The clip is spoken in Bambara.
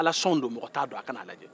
alasɔn don mɔgɔ t'a dɔn a ka n'a lajɛ